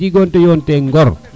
ku jeguna te yoon teen ŋor